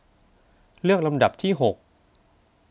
เลือกลำดับที่หก